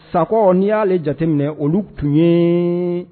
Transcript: Sakɔ n'i y'aale jateminɛ olu tun ye